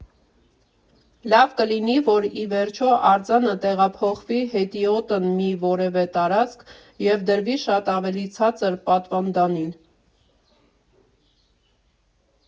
Լավ կլինի, որ ի վերջո արձանը տեղափոխվի հետիոտն մի որևէ տարածք և դրվի շատ ավելի ցածր պատվանդանին։